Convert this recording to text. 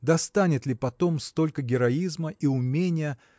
Достанет ли потом столько героизма и уменья